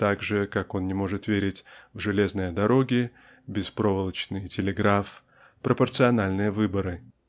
так же как он не может верить в железные дороги беспроволочный телеграф пропорциональные выборы.